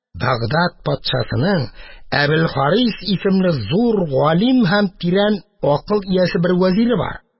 Багдад патшасының Әбелхарис исемле зур галим һәм тирән акыл иясе бер вәзире бар.